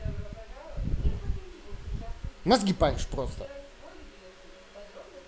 мозги паришь просто